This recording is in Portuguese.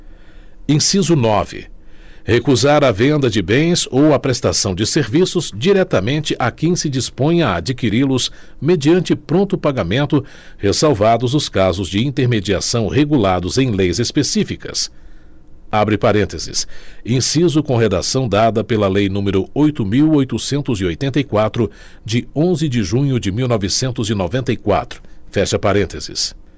inciso nove recusar a venda de bens ou a prestação de serviços diretamente a quem se disponha a adquiri los mediante pronto pagamento ressalvados os casos de intermediação regulados em leis especificas abre parênteses inciso com redação dada pela lei número oito mil oitocentos e oitenta e quatro de onze de junho de mil novecentos e noventa e quatro fecha parênteses